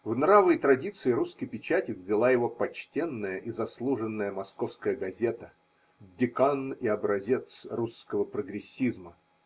В нравы и традиции русской печати ввела его почтенная и заслуженная московская газета, декан и образец русского прогрессизма.